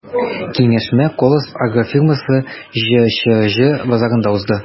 Киңәшмә “Колос” агрофирмасы” ҖЧҖ базасында узды.